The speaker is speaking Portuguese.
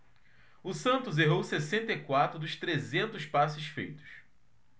o santos errou sessenta e quatro dos trezentos passes feitos